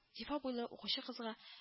Зифа буйлы укучы кызга